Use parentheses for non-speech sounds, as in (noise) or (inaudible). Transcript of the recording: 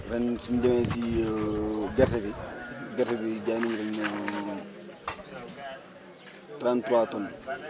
ren su ñu demee si (hesitation) gerte bi gerte bi jaay nañ ay (hesitation) (crosstalk) 33 tonnes